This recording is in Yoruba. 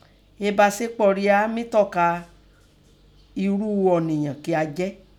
Ẹ̀basepo ria mi tọ́ka inru ọ̀niyan kí a jẹ́